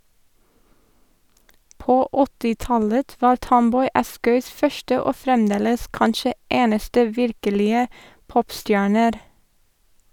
På 80-tallet var Tomboy Askøys første og fremdeles kanskje eneste virkelige popstjerner.